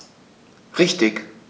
Richtig